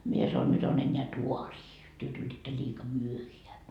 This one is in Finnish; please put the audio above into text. minä sanoin nyt on enää taaria te tulitte liika myöhään